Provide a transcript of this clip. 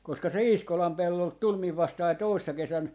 koska se Iiskolan pellolta tuli minun vastaani toissa kesänä